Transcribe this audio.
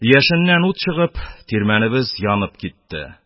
Яшеннән ут чыгып, тирмәнебез янып ките.